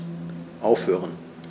Aufhören.